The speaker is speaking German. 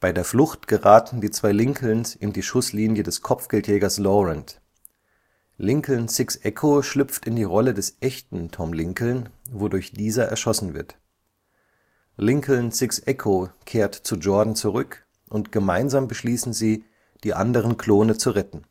der Flucht geraten die zwei Lincolns in die Schusslinie des Kopfgeldjägers Laurent. Lincoln Six Echo schlüpft in die Rolle des echten Tom Lincoln, wodurch dieser erschossen wird. Lincoln Six Echo kehrt zu Jordan zurück, und gemeinsam beschließen sie, die anderen Klone zu retten